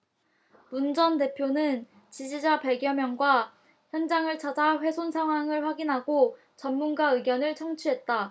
문 전 대표는 지지자 백 여명과 현장을 찾아 훼손 상황을 확인하고 전문가 의견을 청취했다